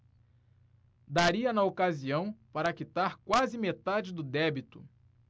daria na ocasião para quitar quase metade do débito